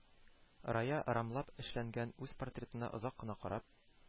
Рая рамлап эшләнгән үз портретына озак кына карап